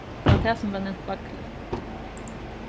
tað var tað sum varð nevnt vaglið